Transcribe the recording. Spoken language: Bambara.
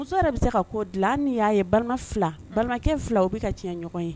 Muso yɛrɛ bɛ se ka ko dilan hali ni y'a ye balima fila balimakɛ fila u bɛ ka tiɲɛ ɲɔgɔn ye